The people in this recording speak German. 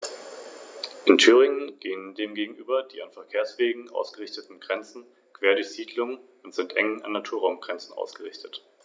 Damit war es als Machtfaktor ausgeschaltet, während Rom mit seiner neuen Provinz Hispanien zunehmend an Einfluss gewann.